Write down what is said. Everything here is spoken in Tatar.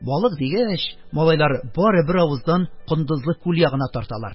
Балык дигәч, малайлар бары бер авыздан Кондызлы күл ягына тарталар: